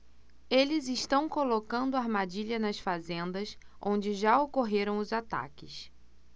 eles estão colocando armadilhas nas fazendas onde já ocorreram os ataques